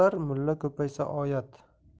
ortar mulla ko'paysa oyat